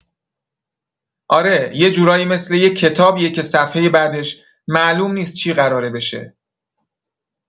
آره، یه جورایی مثل یه کتابیه که صفحۀ بعدش معلوم نیست چی قراره بشه.